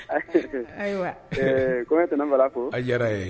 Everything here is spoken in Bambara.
Ayiwa kɔɲɔ tɛna mara ko a diyara ye